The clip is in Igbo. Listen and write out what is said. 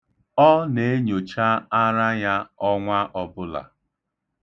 Ọ na-enyocha ara ya ọnwa ọbụla.